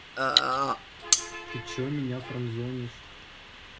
ты что меня френдзонишь